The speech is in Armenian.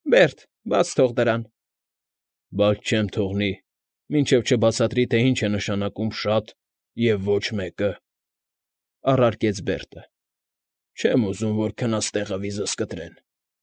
Բերտ, բաց թող դրան։ ֊ Բաց չեմ թողնի, մինչև չբացատրի, թե ինչ է նշանակում «շատ» և «ոչ մեկը»,֊ առարկեց Բերտը։֊ Չեմ ուզում, որ քնած տեղը վիզս կտրեն։